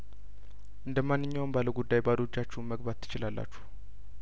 እንደ ማንኛውም ባለጉዳይ ባዶ እጃችሁን መግባት ትችላላችሁ